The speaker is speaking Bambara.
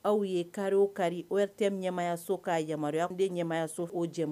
Aw ye ka kari o tɛ ɲamayaso ka yama an de ɲamaya so o jɛ